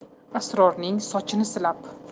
asrorning sochini silab